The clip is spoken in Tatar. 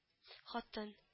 - хатын